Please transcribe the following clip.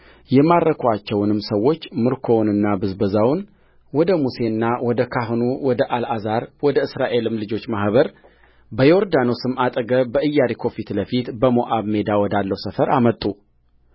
የማረኩአቸውንም ሰዎች ምርኮውንና ብዝበዛውን ወደ ሙሴና ወደ ካህኑ ወደ አልዓዛር ወደ እስራኤልም ልጆች ማኅበር በዮርዳኖስም አጠገብ በኢያሪኮ ፊት ለፊት በሞዓብ ሜዳ ወዳለው ሰፈር አመጡ